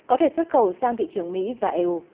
có thể xuất khẩu sang thị trường mỹ và e u